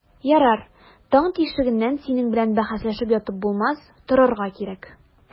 Ярар, таң тишегеннән синең белән бәхәсләшеп ятып булмас, торырга кирәк.